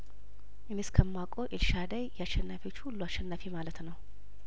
እኔ እስከማውቀው ኤልሻዳይ ያሸናፊዎች ሁሉ አሸናፊ ማለት ነው